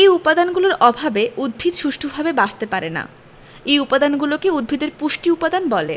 এ উপাদানগুলোর অভাবে উদ্ভিদ সুষ্ঠুভাবে বাঁচতে পারে না এ উপাদানগুলোকে উদ্ভিদের পুষ্টি উপাদান বলে